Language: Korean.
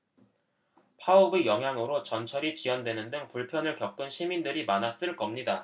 파업의 영향으로 전철이 지연되는 등 불편을 겪은 시민들이 많았을 겁니다